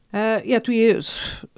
Yy ie dwi yy rh-...